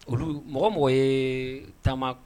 Olu. Mɔgɔ mɔgɔ ye taama